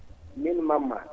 min Mamma